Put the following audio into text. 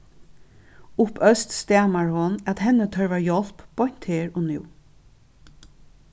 uppøst stamar hon at henni tørvar hjálp beint her og nú